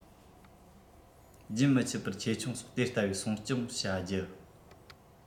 རྒྱུན མི ཆད པར ཆེ ཆུང སོགས དེ ལྟ བུའི སྲུང སྐྱོང བྱ རྒྱུ